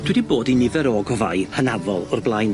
Dwi 'di bod i nifer o ogofau hynafol o'r blaen.